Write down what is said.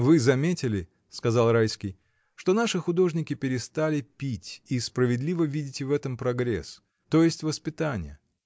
— Вы заметили, — сказал Райский, — что наши художники перестали пить, и справедливо видите в этом прогресс, то есть воспитание.